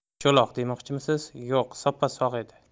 cho'loq demoqchimisiz yo'q soppa sog' edi